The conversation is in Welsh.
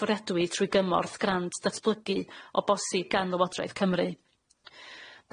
ffwriadwy trwy gymorth grant datblygu o bosib gan Lywodraeth Cymru.